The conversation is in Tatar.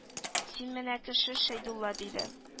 Син минә кеше шәйдулла диде